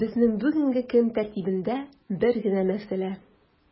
Безнең бүгенге көн тәртибендә бер генә мәсьәлә: